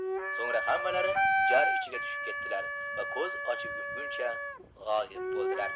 so'ngra hammalari jar ichiga tushib ketdilar va ko'z ochib yumguncha g'oyib bo'ldilar